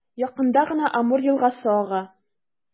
Якында гына Амур елгасы ага.